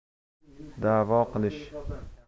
da'vo qilish